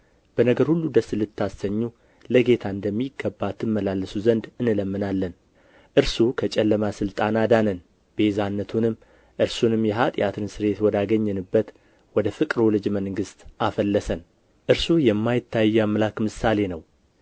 በነገር ሁሉ ደስ ልታሰኙ ለጌታ እንደሚገባ ትመላለሱ ዘንድ እንለምናለን እርሱ ከጨለማ ሥልጣን አዳነን ቤዛነቱንም እርሱንም የኃጢአትን ስርየት ወዳገኘንበት ወደ ፍቅሩ ልጅ መንግሥት አፈለሰን እርሱም የማይታይ አምላክ ምሳሌ ነው